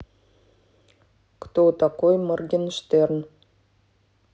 кто такой моргенштерн